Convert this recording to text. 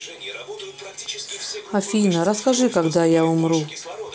афина расскажи когда я умру